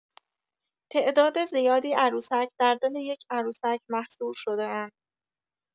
تعداد زیادی عروسک در دل یک عروسک محصور شده‌اند.